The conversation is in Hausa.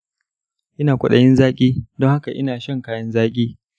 ina kwaɗayin zaƙi dun haka ina shan kayan zaƙi.